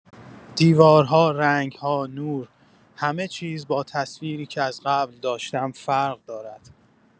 دیوارها، رنگ‌ها، نور، همه چیز با تصویری که از قبل داشتم فرق دارد.